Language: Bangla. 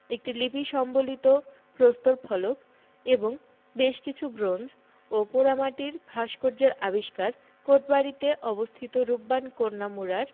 একটি লিপি সম্বলিত প্রস্তর ফলক এবং বেশ কিছু ব্রোঞ্জ ও পোড়ামাটির ভাস্কর্যের আবিষ্কার কোটবাড়িতে অবস্থিত রূপবান কন্যা মুড়ার